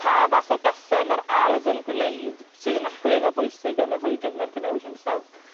Pa fath o bethe ma'r ardd yn gwneud sydd yn allweddol bwysig yn y frwydr yn erbyn newid hinsawdd?